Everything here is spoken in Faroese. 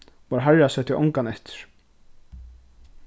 várharra setti ongan eftir